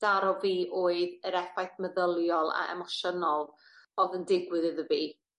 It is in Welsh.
daro fi oedd yr effaith meddyliol a emosiynol o'dd yn digwydd iddo fi.